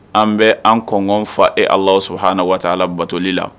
An bɛ an kɔn fa e ala sɔn hana waa la batoli la